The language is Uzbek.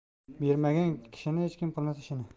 bermagan kishini hech kim qilmas ishini